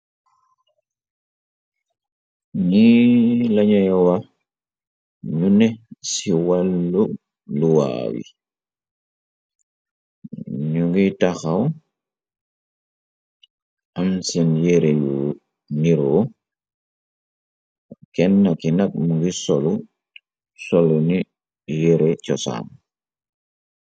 Ni lañayowa nu ne ci wàl luwaa yi nu ngiy taxaw am seen yeere yu ni ro kennn ki nag mu ngi solu solu ni yéere cosaam.